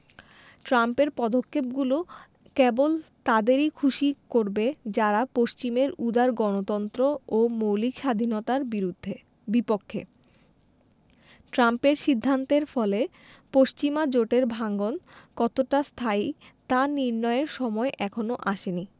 ট্রাম্পের পদক্ষেপগুলো কেবল তাদেরই খুশি করবে যারা পশ্চিমের উদার গণতন্ত্র ও মৌলিক স্বাধীনতার বিরুদ্দে বিপক্ষে ট্রাম্পের সিদ্ধান্তের ফলে পশ্চিমা জোটের ভাঙন কতটা স্থায়ী তা নির্ণয়ের সময় এখনো আসেনি